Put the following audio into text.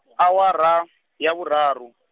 awara, ya vhuraru.